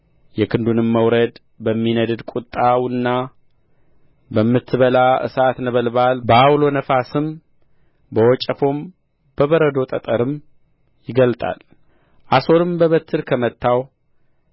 የክንዱንም መውረድ በሚነድድ ቍጣውና በምትበላ እሳት ነበልባል በዐውሎ ነፋስም በወጨፎም በበረዶ ጠጠርም ይገልጣል አሦርም በበትር ከመታው